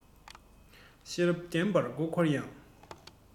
ཤེས རབ ལྡན པ མགོ བསྐོར ཡང